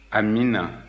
amiina